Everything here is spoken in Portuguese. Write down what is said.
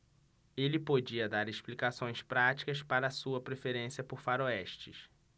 ele podia dar explicações práticas para sua preferência por faroestes